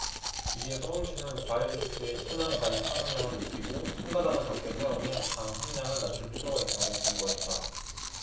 이에 서울시는 과일주스의 천연과일 사용량을 높이고 첨가당을 적게 사용해 당 함량을 낮출 필요가 있다고 권고했다